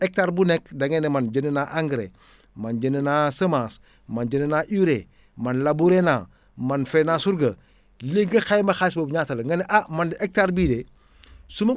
hectare bu nekk da ngay ne man jënd naa engrais man jënd naa semence man jënd naa urée man labourer naa man fay naa surga léegi nga xayma xaalis boobu ñaata la nga ne ah man hectare bii de su ma